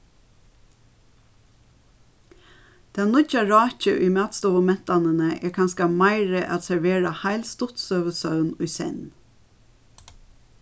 tað nýggja rákið í matstovumentanini er kanska meiri at servera heil stuttsøgusøvn í senn